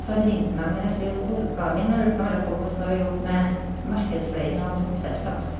Så han ringte meg me når jeg skrev hovedoppgaven min og lurte på om jeg ville komme og så jobbe med markedsføring av oppdrettslaks.